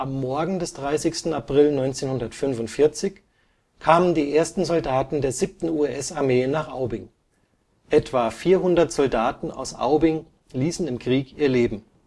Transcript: Morgen des 30. April 1945 kamen die ersten Soldaten der 7. US-Armee nach Aubing. Etwa 400 Soldaten aus Aubing ließen im Krieg ihr Leben